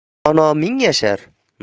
dono ming yashar